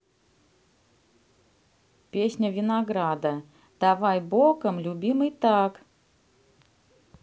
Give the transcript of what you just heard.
песня винограда давай боком любимый так